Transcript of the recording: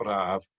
braf